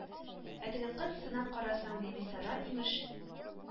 Ә теге кыз, сынап карасаң, Бибисара, имеш